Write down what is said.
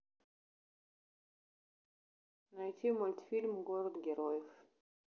найти мультфильм город героев